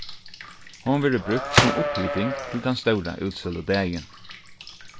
hon verður brúkt sum upphiting til tann stóra útsøludagin